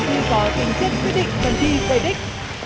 thi về đích